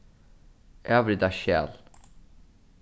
avrita skjal